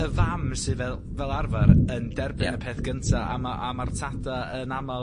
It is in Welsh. y fam sydd fel fel arfer yn derbyn... Ie. ...y peth gynta a ma' a ma'r tada' yn amal